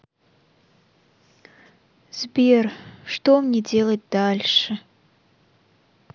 сбер что мне делать дальше